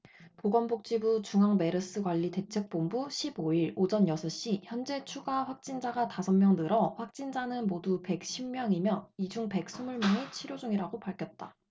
보건복지부 중앙메르스관리대책본부 십 오 일 오전 여섯 시 현재 추가 확진자가 다섯 명 늘어 확진자는 모두 백 쉰 명이며 이 중 백 스물 명이 치료 중이라고 밝혔다